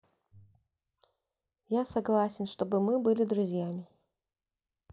я согласен чтобы мы были друзьями